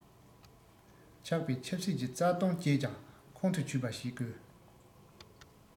ཆགས པའི ཆབ སྲིད ཀྱི རྩ དོན བཅས ཀྱང ཁོང དུ ཆུད པ བྱེད དགོས